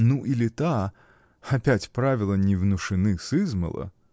ну, и лета; опять правила не внушены сызмала.